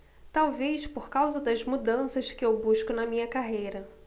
talvez por causa das mudanças que eu busco na minha carreira